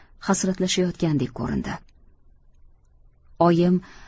hasratlashayotgandek ko'rindi